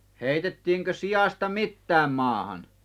heitettiinkö siasta mitään maahan